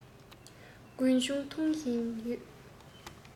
རྒུན ཆང འཐུང བཞིན ཡོད